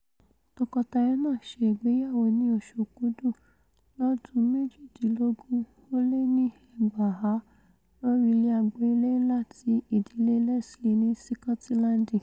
Tọkọtaya náà ṣe ìgbéyàwó ní oṣù Òkúdu lọ́dún 2018 lórí ilẹ̀ agbo-ilé ńlá ti ìdíle Leslie ní Sikọtilandi.